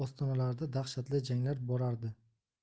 ostonalarida dahshatli janglar borardi